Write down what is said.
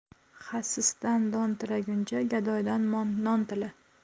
xasisdan don tilaguncha gadoydan non tila